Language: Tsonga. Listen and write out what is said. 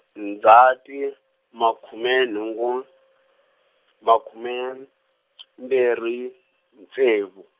Ndzhati, makhume nhungu, makhume , mbirhi, ntsevu.